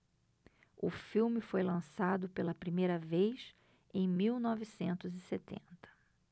o filme foi lançado pela primeira vez em mil novecentos e setenta